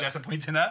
at y pwynt yna.